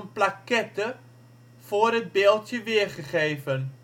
plaquette voor het beeldje weergegeven